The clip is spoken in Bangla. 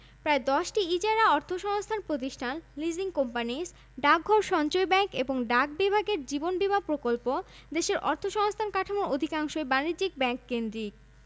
প্রায় এক লক্ষ চল্লিশ হাজার কিউমেক এবং সবচাইতে কম থাকে ফেব্রুয়ারি মাসে ৭হাজার কিউমেক বাংলাদেশের পাললিক ভূগর্ভস্থ জলস্তরগুলো পৃথিবীর সর্বোৎকৃষ্টভূগর্ভস্থ জলাধারগুলোর অন্যতম